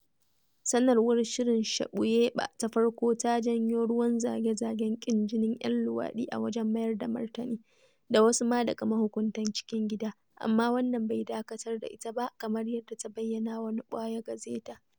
Sanarwar shirin Shabuyeɓa ta farko ta janyo ruwan zage-zagen ƙin jinin 'yan luwaɗi a wajen mayar da martani, da wasu ma daga mahukuntan cikin gida, amma wannan bai dakatar da ita ba, kamar yadda ta bayyanawa Noɓaya Gazeta.